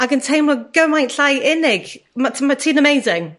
ag yn teimlo gymaint llai unig. Ma' t'mo' ti'n amazing.